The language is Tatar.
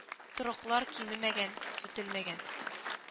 Торыклар кимемәгән, сүтелмәгән